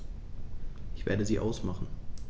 Ich werde sie ausmachen.